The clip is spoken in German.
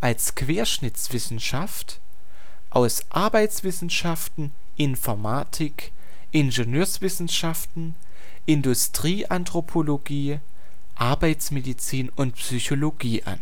als „ Querschnittswissenschaft “aus Arbeitswissenschaften, Informatik, Ingenieurwissenschaften, Industrieanthropologie, Arbeitsmedizin und Psychologie an